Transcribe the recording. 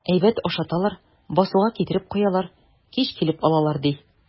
Әйбәт ашаталар, басуга китереп куялар, кич килеп алалар, ди.